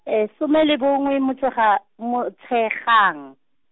some le bongwe Motshega-, Motshegang.